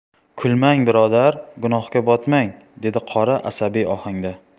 kulmang birodar gunohga botmang dedi qori asabiy ohangda